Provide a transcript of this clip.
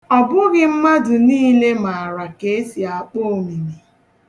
Ọ bụghị mmadụ niile maara ka e si akpọ omimi.